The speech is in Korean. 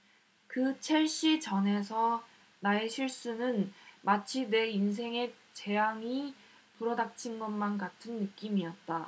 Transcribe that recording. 그 첼시 전에서 나의 실수는 마치 내 인생에 재앙이 불어닥친 것만 같은 느낌이었다